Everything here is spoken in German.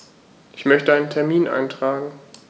Ich möchte einen Termin eintragen.